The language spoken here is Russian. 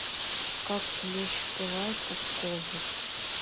как клещ впивается в кожу